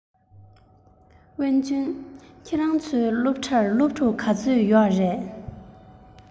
ཚར སོང ད ལོག འགྲོ མཁན ཡིན